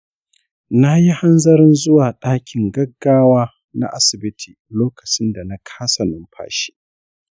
na yi hanzarin zuwa ɗakin gaggawa na asibiti lokacin da na kasa numfashi.